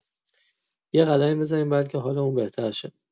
یه قدمی بزنیم بلکه حالمون بهتر شه!